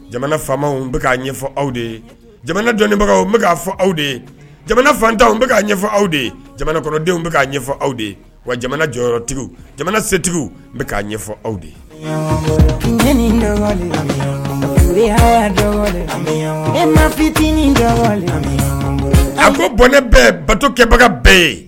Jamana faw bɛ k' ɲɛfɔ aw de ye jamana dɔnniibagaw bɛ k' fɔ aw de ye jamana fantanw bɛ k' ɲɛfɔ aw de ye jamanakɔrɔdenw bɛ k' ɲɛfɔ aw ye wa jamana jɔyɔrɔtigiw jamana setigiw bɛ k ɲɛfɔ aw de an ko bɔn ne bɛɛ batokɛbaga bɛɛ ye